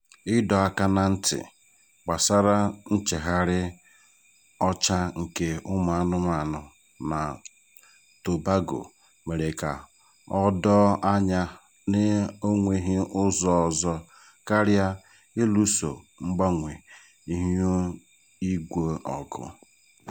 Ịdọ aka na ntị gbasara nchaghari ọcha nke ụmụanụmanụ na Tobago mere ka o doo anya na onweghị ụzọ ọzọ karịa ịlụso mgbanwe ihuigwe ọgụ.